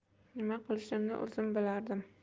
nima qilishimni o'zim bilardim